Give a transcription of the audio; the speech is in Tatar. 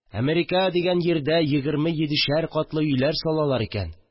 Америка дигән җирдә егерме йидешәр катлы өйләр салалар икән